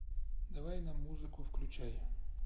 давай нам музыку включай